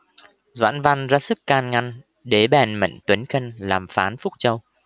doãn văn ra sức can ngăn đế bèn mệnh tuấn khanh làm phán phúc châu